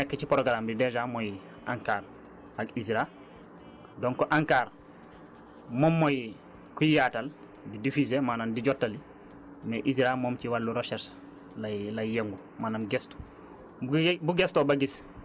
léegi ciñiñ ci nekk ci programme bi dèjà mooy ANCAR ak ISRA donc ANCAR moom mooy kuy yaatal di diffuser maanaam di jottali mais ISRA moom ci wàllu recherche lay lay yëngu maanaam gëstu